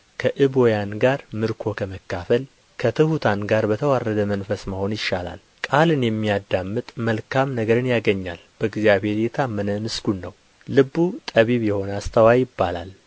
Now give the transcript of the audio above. ከዕቡያን ጋር ምርኮ ከመካፈል ከትሑታን ጋር በተዋረደ መንፈስ መሆን ይሻላል ቃልን የሚያዳምጥ መልካም ነገርን ያገኛል በእግዚአብሔር የታመነ ምስጉን ነው ልቡ ጠቢብ የሆነ አስተዋይ ይባላል